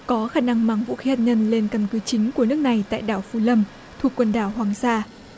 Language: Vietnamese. có khả năng mang vũ khí hạt nhân lên căn cứ chính của nước này tại đảo phú lâm thuộc quần đảo hoàng sa